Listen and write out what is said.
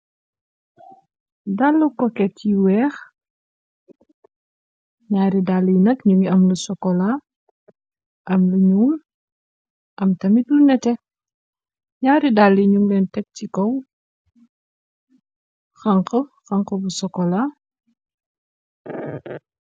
Dall kokket yi weex, naari dall yi nag ñu ngi amlu sokola, am lu ñul, am tamit u nete, naari dall yi ñu nguleen teg ci kow xank bu sokola.